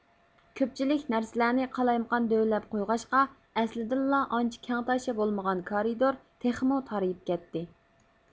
كۆپچىلىك نەرسىلەرنى قالايمىقان دۆۋىلەپ قويغاچقا ئەسلىدىنلا ئانچە كەڭتاشا بولمىغان كارىدور تېخىمۇ تارىيىپ كەتتى